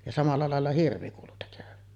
ja samalla lailla hirvi kuului tekevän